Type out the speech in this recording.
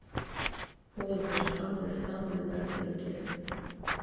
познер самые самые норвегия